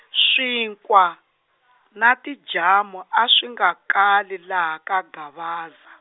swinkwa, na tijamu a swi nga kali laha ka Gavaza.